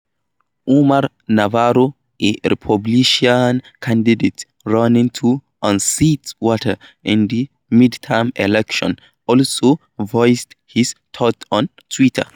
Omar Navarro, a Republican candidate running to unseat Waters in the midterm elections, also voiced his thoughts on Twitter.